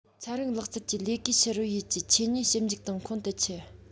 ཚན རིག ལག རྩལ གྱི ལས ཀའི ཕྱི རོལ ཡུལ གྱི ཆོས ཉིད ཞིབ འཇུག དང ཁོང དུ ཆུད